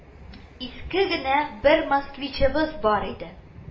Иске генә бер Москвичыбыз бар иде